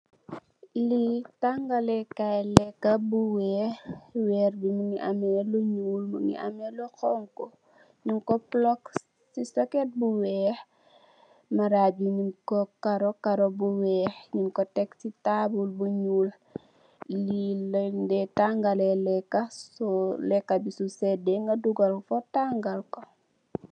Lii tangaleh kaii lehkah bu wehrre, wehrre bii mungy ameh lu njull, mungy ameh lu honhu, njung kor pluck cii socket bu wekh, marajj bii njung kor kaaroh, kaaroh bu wekh, njung kor tek cii taabul bu njull, lii len daeh tangaleh lehkah so lehkah bii su sedeh nga dugal kor tangal kor.